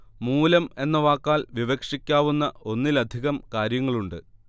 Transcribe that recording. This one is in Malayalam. മൂലം എന്ന വാക്കാൽ വിവക്ഷിക്കാവുന്ന ഒന്നിലധികം കാര്യങ്ങളുണ്ട്